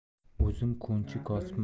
o'zim ko'nchi kosibman